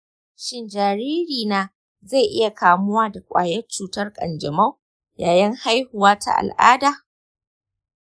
shin jaririna zai iya kamuwa da ƙwayar cutar kanjamau yayin haihuwa ta al'ada?